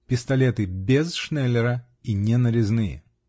Пистолеты без шнеллера и не нарезные".